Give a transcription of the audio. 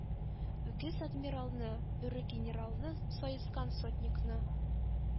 Үгез адмиралны, бүре генералны, саескан сотникны,